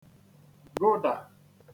-gụdà